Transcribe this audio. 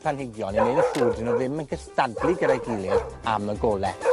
planhigion i neu' yn siŵr 'dyn nw ddim yn cystadlu gyda'i gilydd am y gole.